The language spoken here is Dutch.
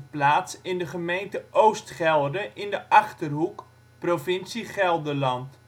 plaats in de gemeente Oost Gelre in de Achterhoek, provincie Gelderland